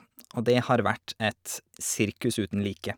Og det har vært et sirkus uten like.